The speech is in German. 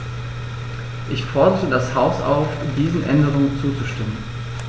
Ich fordere das Haus auf, diesen Änderungen zuzustimmen.